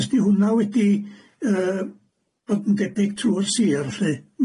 os 'di hwnna wedi yy bod yn debyg trw'r sir lly,